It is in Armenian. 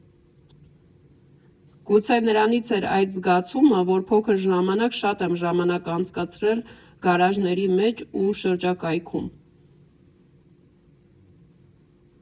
Գուցե նրանից էր այդ զգացումը, որ փոքր ժամանակ շատ եմ ժամանակ անցկացրել գարաժների մեջ ու շրջակայքում…